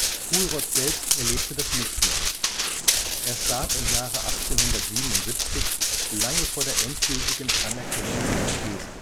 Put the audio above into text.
Fuhlrott selbst erlebte das nicht mehr, er starb im Jahre 1877, lange vor der endgültigen Anerkennung seiner These